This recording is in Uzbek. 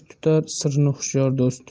tutar sirni hushyor do'st